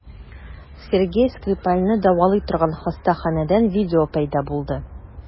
Сергей Скрипальне дәвалый торган хастаханәдән видео пәйда булды.